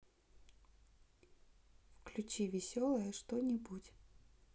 включи веселое что нибудь